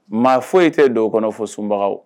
Maa foyi e tɛ don kɔnɔ fo sunbagaw